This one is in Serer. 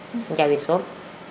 njawin soon